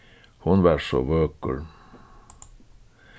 hon var so vøkur